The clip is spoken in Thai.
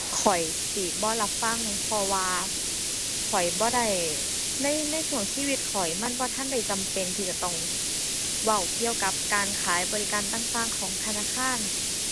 ข้อยสิบ่รับฟัง เพราะว่าข้อยบ่ได้ ใน ในช่วงชีวิตข้อยมันบ่ทันได้จำเป็นที่จะต้องเว้าเกี่ยวกับการขายบริการต่างต่างของธนาคาร